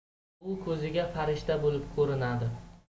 u ko'ziga farishta bo'lib ko'rinadi